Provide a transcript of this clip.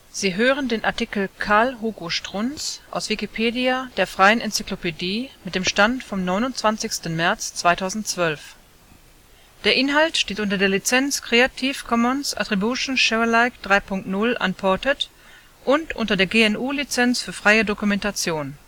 Sie hören den Artikel Karl Hugo Strunz, aus Wikipedia, der freien Enzyklopädie. Mit dem Stand vom Der Inhalt steht unter der Lizenz Creative Commons Attribution Share Alike 3 Punkt 0 Unported und unter der GNU Lizenz für freie Dokumentation